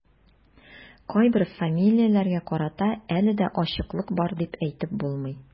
Кайбер фамилияләргә карата әле дә ачыклык бар дип әйтеп булмый.